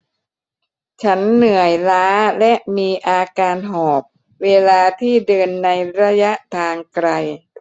ฉันเหนื่อยล้าและมีอาการหอบเวลาที่เดินในระยะทางไกล